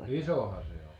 isohan se oli